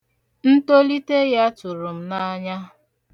Ntolite ya tụrụ m n'anya.